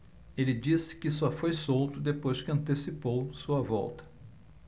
ele disse que só foi solto depois que antecipou sua volta